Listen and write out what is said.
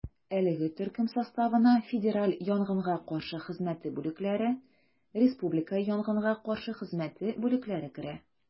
Әлеге төркем составына федераль янгынга каршы хезмәте бүлекләре, республика янгынга каршы хезмәте бүлекләре керә.